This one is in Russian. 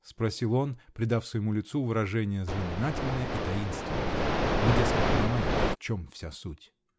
-- спросил он, придав своему лицу выражение знаменательное и таинственное: мы, дескать, понимаем, в чем вся суть!